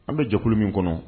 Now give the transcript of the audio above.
An bɛ jɔkulu min kɔnɔ